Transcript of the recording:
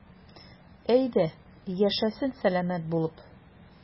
Әйдә, яшәсен сәламәт булып.